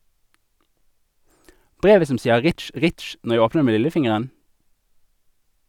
Brevet som sier ritsj, ritsj når jeg åpner det med lillefingeren?